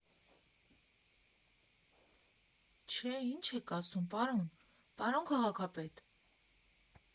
֊ Չէ, ի՞նչ եք ասում, պարոն, պարոն քաղաքապետ…